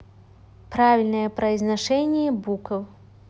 правильное произношение букв